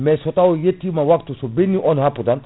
mais so taw yettima waftu so ɓenni on happu tan